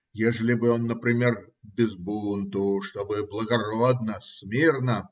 Ежели бы он, например, без бунту, чтобы благородно, смирно.